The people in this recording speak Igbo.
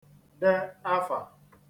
de afà